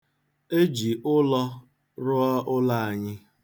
E ji ụlọ rụọ ụlọ anyị.